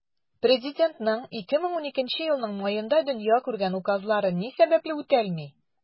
Президентның 2012 елның маенда дөнья күргән указлары ни сәбәпле үтәлми?